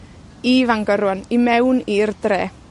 i Fangor rŵan, i mewn i'r dre.